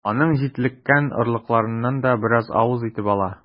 Аның җитлеккән орлыкларыннан да бераз авыз итеп ала.